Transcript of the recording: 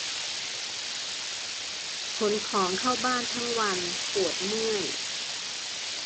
ขนของเข้าบ้านทั้งวันปวดเมื่อย